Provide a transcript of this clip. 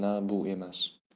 na bu emas